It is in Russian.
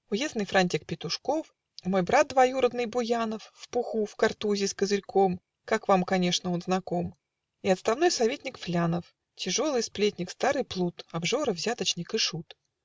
Уездный франтик Петушков, Мой брат двоюродный, Буянов, В пуху, в картузе с козырьком (Как вам, конечно, он знаком), И отставной советник Флянов, Тяжелый сплетник, старый плут, Обжора, взяточник и шут.